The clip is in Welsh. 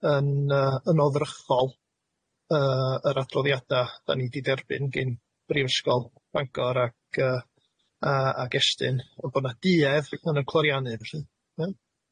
yn yy yn oddrychol yy yr adroddiada 'dan ni'n 'di derbyn gin Brifysgol Bangor ac yy a- ag Estyn on' bo 'na duedd yn y cloriannu felly iawn.